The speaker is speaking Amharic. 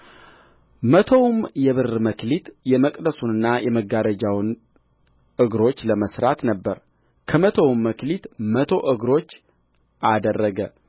መቶውም የብር መክሊት የመቅደሱንና የመጋረጃውን እግሮች ለመሥራት ነበረ ከመቶውም መክሊት መቶ እግሮች አደረገ